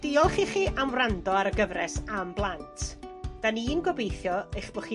Diolch i chi am wrando ar y gyfres Am Blant. 'Da 'ni'n gobeithio eich bo' chi